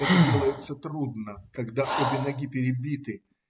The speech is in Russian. Это делается трудно, когда обе ноги перебиты.